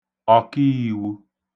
ọ̀kiīwū